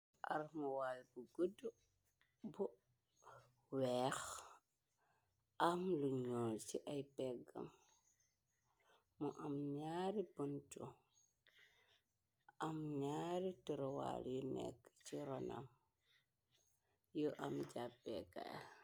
Armuwaar bu gudd bu weex am lu ñoo ci ay beggam mo am ñyaari buntu am ñyaari toruwal yu nekk ci ronam yu am jàbbeggaal.